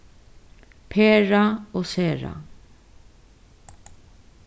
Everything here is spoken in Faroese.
pera og sera